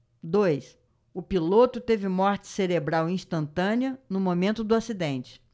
dois o piloto teve morte cerebral instantânea no momento do acidente